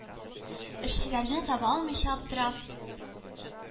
Эшчеләрне таба алмыйча, аптырап,